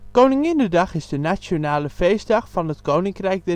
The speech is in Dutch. Koninginnedag is de nationale feestdag van het Koninkrijk